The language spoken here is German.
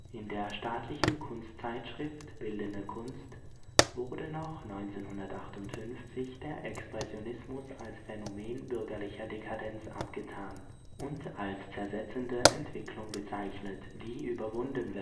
In der staatlichen Kunstzeitschrift Bildende Kunst wurde noch 1958 der Expressionismus als „ Phänomen bürgerlicher Dekadenz “abgetan und als zersetzende Entwicklung bezeichnet, die überwunden